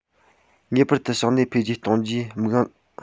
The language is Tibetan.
ངེས པར དུ ཞིང ལས འཕེལ རྒྱས གཏོང རྒྱུའི རྨང གཞི འདིར ཤུགས སྣོན རྒྱག དགོས